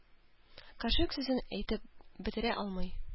Карчык сүзен әйтеп бетерә алмый.